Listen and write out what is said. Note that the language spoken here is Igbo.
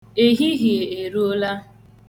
Ehihie eruola.